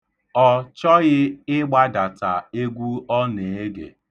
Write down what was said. Ọ chọghị ịgbadata egwu ọ na-ege.